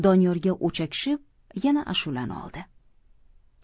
doniyorga o'chakishib yana ashulani oldi